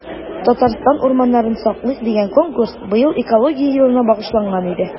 “татарстан урманнарын саклыйк!” дигән конкурс быел экология елына багышланган иде.